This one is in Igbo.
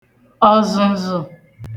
ọżụżụ